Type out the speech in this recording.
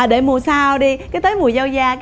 để mùa sau đi cứ đến mùa dâu da